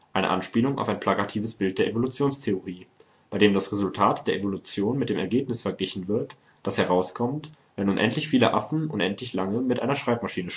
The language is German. eine Anspielung auf ein plakatives Bild der Evolutionstheorie, bei dem das Resultat der Evolution mit dem Ergebnis verglichen wird, das herauskommt, wenn unendlich viele Affen unendlich lange auf einer Schreibmaschine